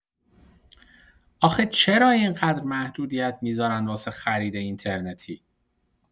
آخه چرا اینقدر محدودیت می‌ذارن واسه خرید اینترنتی؟